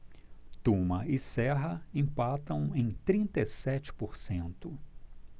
tuma e serra empatam em trinta e sete por cento